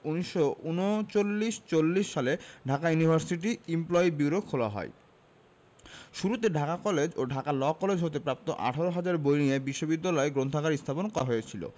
১৯৩৯ ৪০ সালে Dhaka university employee bureau খোলা হয় শুরুতে ঢাকা কলেজ ও ঢাকা ল কলেজ হতে প্রাপ্ত ১৮ হাজার বই নিয়ে বিশ্ববিদ্যালয় গ্রন্থাগার স্থাপন করা হয়েছিল